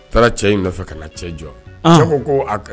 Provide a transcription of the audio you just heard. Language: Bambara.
A taara cɛ in nɔfɛ ka na cɛ jɔ sababu ko a ka